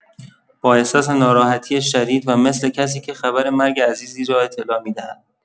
با احساس ناراحتی شدید و مثل کسی که خبر مرگ عزیزی را اطلاع می‌دهد